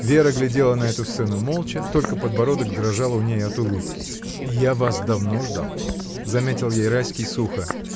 Вера глядела на эту сцену молча, только подбородок дрожал у ней от улыбки. — Я вас давно ждал! — заметил ей Райский сухо.